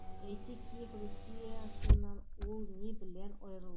Әйтик, Киев Русеннан ул ни белән аерылган?